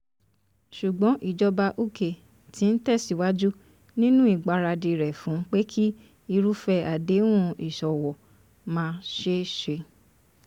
Ṣùgbọ́n Ìjọba UK tí ń tẹ̀síwájú nínú ìgbaradì rẹ̀ fún pé kí irúfẹ́ àdéhùn ìṣòwò má ṣeéṣe.